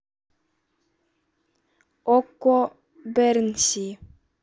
окко бернси